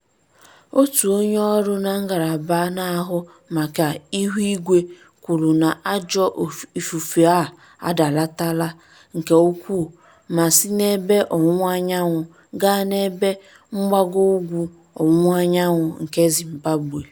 Otu onye ọrụ na Ngalaba na-ahụ Maka Ihuigwe kwuru na ajọ ifufe a adalatala nke ukwuu ma si n'ebe ọwụwaanyanwụ gaa n'ebe mgbagougwu ọwụwaanyanwụ nke Zimbabwe.